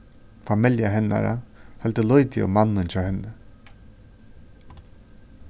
familja hennara heldur lítið um mannin hjá henni